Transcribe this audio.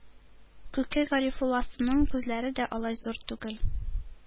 Күке Гарифулласының күзләре дә алай зур түгел,